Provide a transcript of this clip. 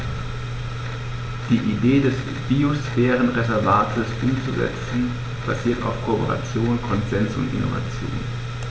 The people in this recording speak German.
Die Idee des Biosphärenreservates umzusetzen, basiert auf Kooperation, Konsens und Innovation.